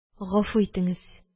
Гафу итеңез!